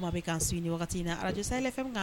Maa bɛ kan su ɲini ni wagati in na araj se fɛ kan